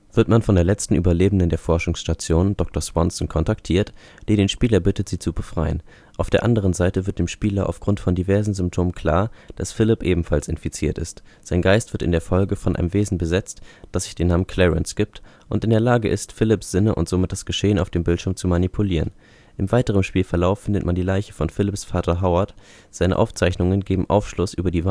wird man von der letzten Überlebenden der Forschungsstation, Dr. Swanson, kontaktiert, die den Spieler bittet, sie zu befreien. Auf der anderen Seite wird dem Spieler auf Grund von diversen Symptomen klar, dass Philipp ebenfalls infiziert ist. Sein Geist wird in der Folge von einem Wesen besetzt, das sich den Namen Clarence gibt und in der Lage ist, Philipps Sinne und somit das Geschehen auf dem Bildschirm zu manipulieren. Im weiteren Spielverlauf findet man die Leiche von Philipps Vater Howard. Seine Aufzeichnungen geben Aufschluss über die